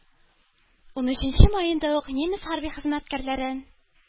Унөченче маенда ук немец хәрби хезмәткәрләрен